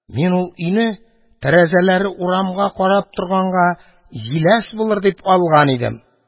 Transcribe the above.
Мин ул өйне, тәрәзәләре урамга карап торганга, җиләс булыр дип алган идем.